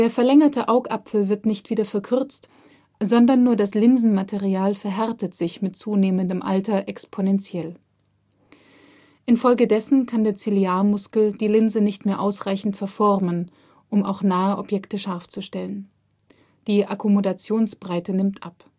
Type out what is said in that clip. verlängerte Augapfel wird nicht wieder verkürzt, sondern nur das Linsenmaterial verhärtet sich mit zunehmendem Alter exponentiell. Infolgedessen kann der Ziliarmuskel die Linse nicht mehr ausreichend verformen, um auch nahe Objekte scharf zu stellen: Die Akkommodationsbreite nimmt ab